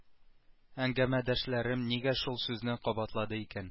Әңгәмәдәшләрем нигә шул сүзне кабатлады икән